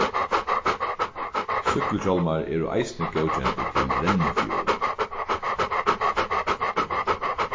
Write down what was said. súkkluhjálmar eru eisini góðkendir til rennifjøl